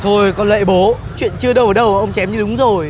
thôi con lậy bố chuyện chưa đâu vào đâu ông chém như đúng rồi